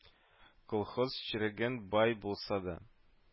Колхоз черегән бай булса да